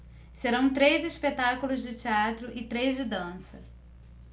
serão três espetáculos de teatro e três de dança